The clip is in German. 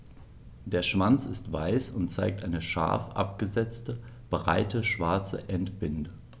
Der Schwanz ist weiß und zeigt eine scharf abgesetzte, breite schwarze Endbinde.